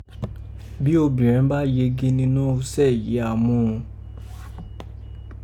Bi obìrẹn ba yege ninọ́ usẹ yìí a mú ghun